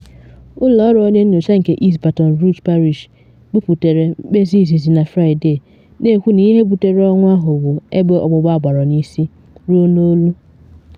Ụlọ Ọrụ Onye Nyocha nke East Baton Rouge Parish buputere mkpeza izizi na Fraịde, na ekwu na ihe buputere ọnwụ ahụ bụ egbe ọgbụgba agbara n’isi ruo n’olu.